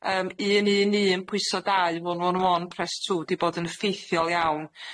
yym un un un, pwyso dau, one one one, press two 'di bod yn effeithiol iawn.